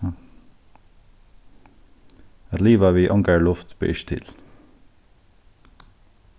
at liva við ongari luft ber ikki til